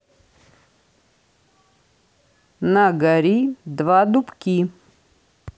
на гори два дубки